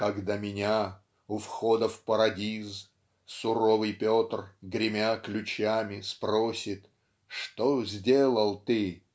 Когда меня у входа в Парадиз Суровый Петр, гремя ключами, спросит -- Что сделал ты?